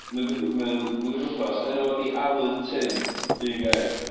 Mynd o gw-... mae o'n mynd o gwmpas. Enw o ydy Alan Tim, un gair.